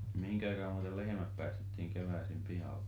mihin aikaan muuten lehmät päästettiin keväisin pihalle